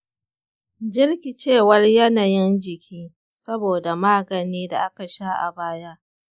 jirkicewar yanayin jiki saboda magani da aka sha a baya.